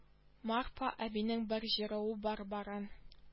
Марпа әбинен бер җыруы бар барын